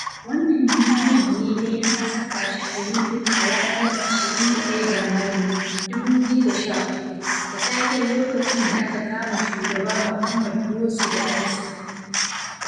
Wannan bidiyon ne dai aka saka shi a YouTube a ranar 21 ga Mayu, 2013, da taken “Lokacin da aka kama Shugaba Mohamed Morsi da ɗansa.”